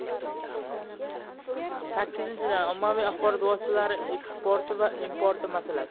sakkizinchidan ommaviy axborot vositalari eksporti va importi masalasi